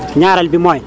ñaareel bi mooy